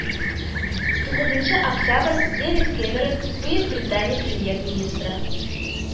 Тугызынчы октябрь дэвид кэмерон, бөекбритания премьер-министры